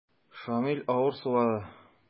Шамил авыр сулады.